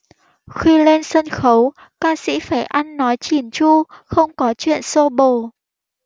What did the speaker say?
khi lên sân khấu ca sĩ phải ăn nói chỉn chu không có chuyện xô bồ